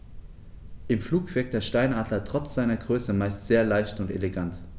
Im Flug wirkt der Steinadler trotz seiner Größe meist sehr leicht und elegant.